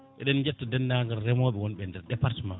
eɗen jetta dendagal reemoɓe wonɓe ender département